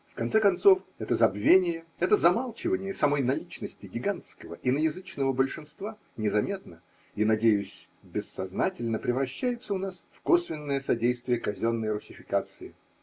В конце концов, это забвение, это замалчивание самой наличности гигантского иноязычного большинства незаметно и (надеюсь) бессознательно превращается у нас в косвенное содействие казенной руссификации.